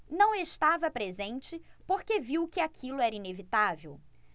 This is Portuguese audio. não estava presente porque viu que aquilo era inevitável